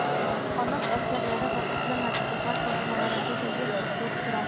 Аның әсәрләре вакытлы матбугат басмаларында да еш басылып тора.